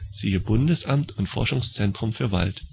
siehe: Bundesamt und Forschungszentrum für Wald